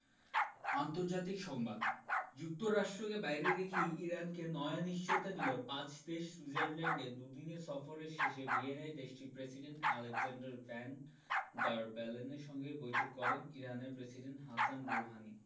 আন্তর্জাতিক সংবাদ যুক্তরাষ্ট্রকে বাইরে রেখেই ইরানকে নয়া নিশ্চয়তা দিল পাঁচ দেশ সুইজারল্যান্ডে দুদিনের সফর শেষে ভিয়েনায় দেশটির প্রেসিডেন্ট আলেক্সান্ডার ভ্যান ডার বেলেনের সঙ্গে বৈঠক করেন ইরানের প্রেসিডেন্ট হাসান রুহানি